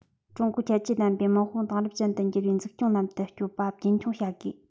ཀྲུང གོའི ཁྱད ཆོས ལྡན པའི དམག དཔུང དེང རབས ཅན དུ འགྱུར བའི འཛུགས སྐྱོང ལམ དུ སྐྱོད པ རྒྱུན འཁྱོངས བྱ དགོས